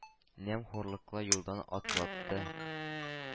Нәм хурлыклы юлдан атлатты.